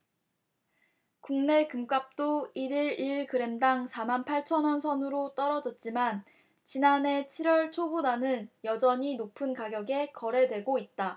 국내 금값도 일 일 일 그램당 사 만 팔천 원 선으로 떨어졌지만 지난해 칠 월 초보다는 여전히 높은 가격에 거래되고 있다